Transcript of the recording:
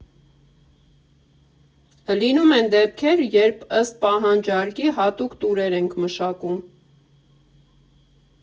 Լինում են դեպքեր, երբ ըստ պահանջարկի հատուկ տուրեր ենք մշակում։